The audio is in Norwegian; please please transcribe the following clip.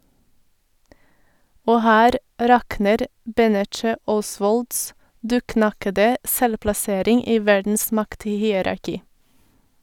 Og her rakner Benneche Osvolds dukknakkede selvplassering i verdens makthierarki.